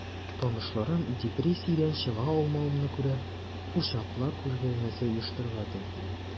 Танышларым, депрессиядән чыга алмавымны күреп, курчаклар күргәзмәсе оештырырга тәкъдим итте...